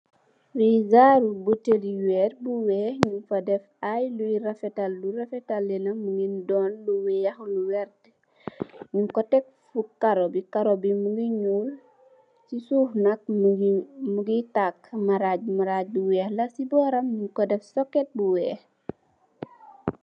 Lii zaaru butehll wehrre bu wekh njung fa deff aiiy lui rafetal, lui rafetal yi nak mungy don lu wekh, lu wehrt njung kor tek fu kaaroh bii, kaaroh bii mungy njull, cii suff nak mungy, mungy taaku, marajj bii marajj bu wekh la cii bohram njung kor deff socket bu wekh.